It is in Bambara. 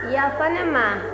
yafa ne ma